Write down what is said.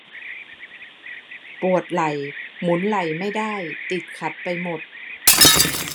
ปวดไหล่หมุนไหล่ไม่ได้ติดขัดไปหมด